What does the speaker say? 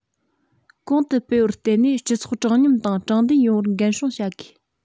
གོང དུ སྤེལ བར བརྟེན ནས སྤྱི ཚོགས དྲང སྙོམས དང དྲང བདེན ཡོང བར འགན སྲུང བྱ དགོས